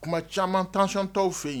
Kuma caman tancon tɔw fɛ yen